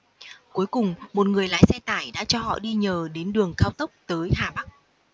cuối cùng một người lái xe tải đã cho họ đi nhờ đến đường cao tốc tới hà bắc